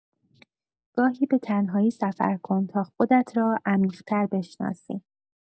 گاهی به‌تنهایی سفر کن تا خودت را عمیق‌تر بشناسی.